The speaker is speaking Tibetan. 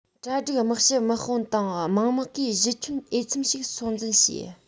གྲ སྒྲིག དམག ཞབས དམག དཔུང དང དམངས དམག གིས གཞི ཁྱོན འོས འཚམ ཞིག སྲུང འཛིན བྱས